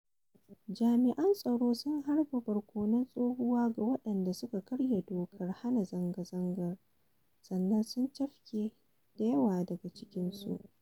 Jami'an tsaro sun harba barkonon tsohuwa ga waɗanda suka karya dokar hana zanga-zangar sannan sun cafke da yawa daga cikinsu.